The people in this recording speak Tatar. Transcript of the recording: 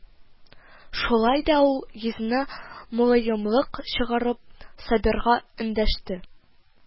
Шулай да ул, йөзенә мөлаемлык чыгарып, Сабирга эндәште: